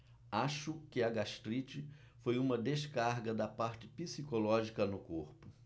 acho que a gastrite foi uma descarga da parte psicológica no corpo